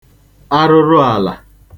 arụrụàlà